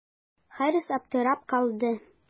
Харис аптырап калды.